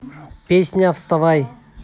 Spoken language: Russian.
песня вставай